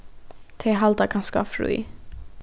tey halda kanska frí